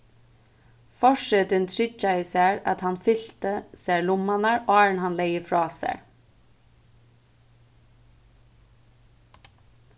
forsetin tryggjaði sær at hann fylti sær lummarnar áðrenn hann legði frá sær